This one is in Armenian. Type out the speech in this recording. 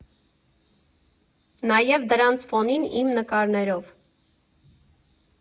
Նաև դրանց ֆոնին իմ նկարներով…